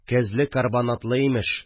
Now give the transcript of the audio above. Кәзле-карбонатлы имеш